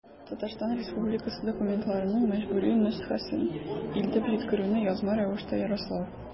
Татарстан Республикасы документларының мәҗбүри нөсхәсен илтеп җиткерүне язма рәвештә раслау.